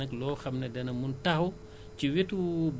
see liggéey vraiment dafa jafe dafa bëri ay risques